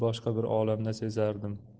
boshqa bir olamda sezardim